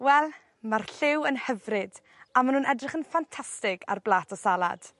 Wel ma'r lliw yn hyfryd a ma' nw'n edrych yn ffantastig ar blat o salad.